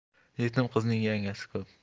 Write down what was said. yetim qizning yangasi ko'p